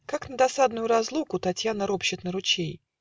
Как на досадную разлуку, Татьяна ропщет на ручей